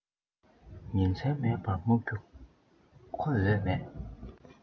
ཉིན མཚན མེད པར རྨུག རྒྱུ ཁོ ལས མེད